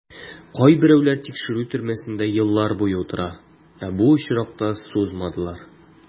Кайберәүләр тикшерү төрмәсендә еллар буе утыра, ә бу очракта сузмадылар.